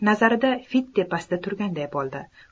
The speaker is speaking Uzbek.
nazarida fid tepasida turganday tuyuldi